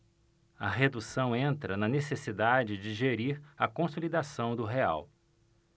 a redução entra na necessidade de gerir a consolidação do real